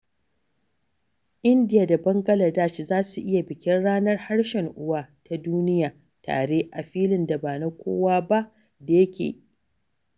Indiya da Bangladesh za su yi bikin Ranar Harshen Uwa ta Duniya tare a filin da ba na kowa ba da yake kan iyakokinsu don ƙarfafa dangantaka tsakanin ƙasashen biyu.